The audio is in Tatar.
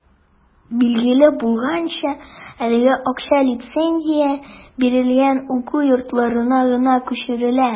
Билгеле булганча, әлеге акча лицензия бирелгән уку йортларына гына күчерелә.